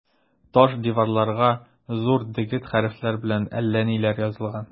Таш диварларга зур дегет хәрефләр белән әллә ниләр язылган.